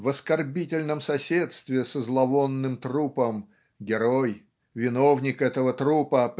в оскорбительном соседстве с зловонным трупом герой виновник этого трупа